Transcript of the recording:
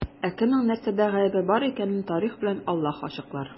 Ә кемнең нәрсәдә гаебе бар икәнен тарих белән Аллаһ ачыклар.